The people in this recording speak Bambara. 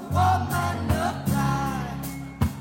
Ko' le tɛ